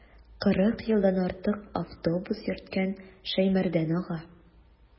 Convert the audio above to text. Кырык елдан артык автобус йөрткән Шәймәрдан ага.